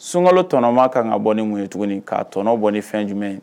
Sunkalo tɔnɔma kan ka bɔ ni mun ye tuguni k'a tɔnɔ bɔ ni fɛn jumɛn ye